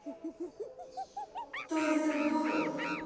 то есть ты дура